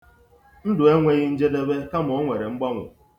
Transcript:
Ndụ enweghị njedebe, kama o nwere mgbanwo.